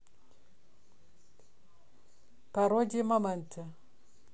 пародия моменте